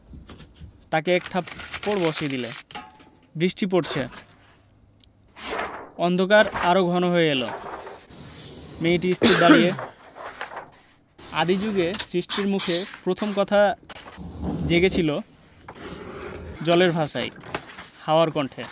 তাকে এক থাপ্পড় বসিয়ে দিলে বৃষ্টি পরছে অন্ধকার আরো ঘন হয়ে এল মেয়েটি স্থির দাঁড়িয়ে আদি জুগে সৃষ্টির মুখে প্রথম কথা জেগেছিল জলের ভাষায় হাওয়ার কণ্ঠে